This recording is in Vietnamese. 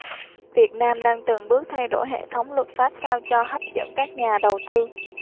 việt nam đang từng bước thay đổi hệ thống luật pháp sao cho hấp dẫn các nhà đầu tư